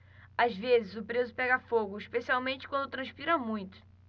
às vezes o preso pega fogo especialmente quando transpira muito